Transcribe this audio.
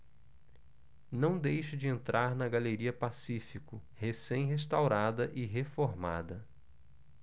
não deixe de entrar na galeria pacífico recém restaurada e reformada